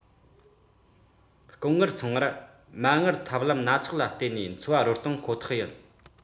ཐོན སྐྱེད བྱེད མཁན བཟོ གྲྭ དེ ལས ཁོ ཐག མཐོང ཆེན བྱེད ཐུབ ཁོ ཐག རེད